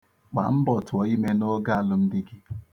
Gbàa mbọ̀ tụ̀ọ imē n'ogè alụmdi gị..